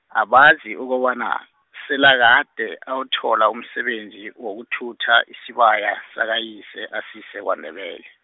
abazi ukobana , selakade awuthola umsebenzi, wokuthutha, isibaya, sakayise asise kwaNdebele.